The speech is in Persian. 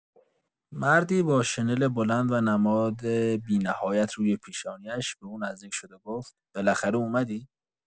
مردی با شنل بلند و نماد بی‌نهایت روی پیشانی‌اش به او نزدیک شد و گفت: «بالاخره اومدی!»